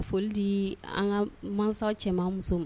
A foli di an ka masasa cɛman muso